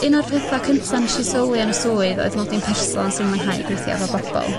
Un o'r petha cynta neshi sylwi yn y swydd oedd mod i'n person sy'n mwynhau gweithio efo bobol.